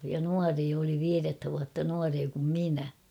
ja nuorin oli viidettä vuotta nuorempi kuin minä